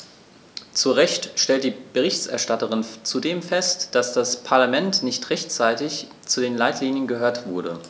Zu Recht stellt die Berichterstatterin zudem fest, dass das Parlament nicht rechtzeitig zu den Leitlinien gehört wurde.